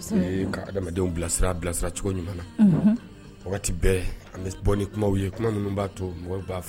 Ka adamadenw bilasira bilasira cogo ɲuman na wagati bɛɛ ani bɛ bɔ ni kuma ye minnu b'a to mɔgɔ b'a fɛ